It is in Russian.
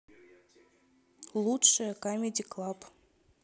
лучшее камеди клаб